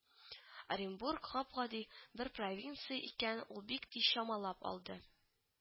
Оренбург гап-гади бер провинция икәнен ул бик тиз чамалап алды